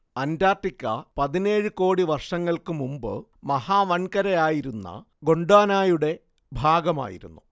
Antarctica പതിനേഴ് കോടി വർഷങ്ങൾക്ക് മുമ്പ് മഹാവൻകരയായിരുന്ന ഗോണ്ട്വാനയുടെ ഭാഗമായിരുന്നു